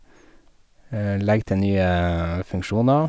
Legge til nye funksjoner.